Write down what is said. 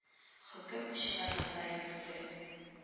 Хөкем чыгаргандай итеп